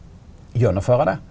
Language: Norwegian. gjennomføre det.